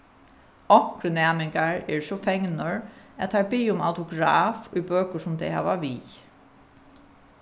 onkrir næmingar eru so fegnir at teir biðja um autograf í bøkur sum tey hava við